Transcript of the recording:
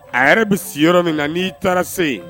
A yɛrɛ bɛ si yɔrɔ min na n''i taara se yen